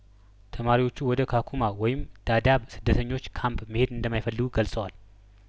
ተማሪዎቹ ወደ ካኩማ ወይም ዳዳብ ስደተኞች ካምፕ መሄድ እንደማይፈልጉ ገልጸዋል